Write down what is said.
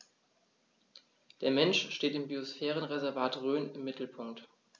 Der Mensch steht im Biosphärenreservat Rhön im Mittelpunkt.